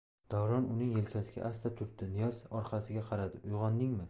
davron uning yelkasiga asta turtdi niyoz orqasiga qaradi uyg'ondingmi